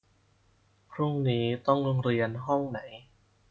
พรุ่งนี้ต้องเรียนห้องไหน